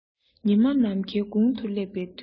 ཉི མ ནམ མཁའི དགུང དུ སླེབས པའི དུས